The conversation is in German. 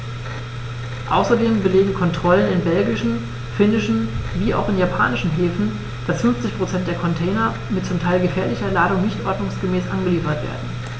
Außerdem belegen Kontrollen in belgischen, finnischen wie auch in japanischen Häfen, dass 50 % der Container mit zum Teil gefährlicher Ladung nicht ordnungsgemäß angeliefert werden.